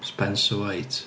Spencer White.